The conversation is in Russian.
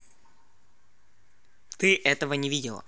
ты этого не видела